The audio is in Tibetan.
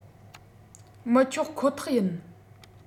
མི ཆོག ཁོ ཐག ཡིན